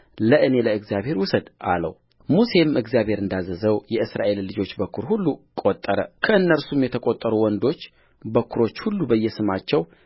ለእኔ ለእግዚአብሔር ውሰድ አለውሙሴም እግዚአብሔር እንዳዘዘው የእስራኤልን ልጆች በኵር ሁሉ ቈጠረከእነርሱም የተቈጠሩ ወንዶች በኵሮች ሁሉ የበስማቸው